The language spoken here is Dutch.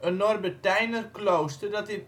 een Norbertijner klooster dat in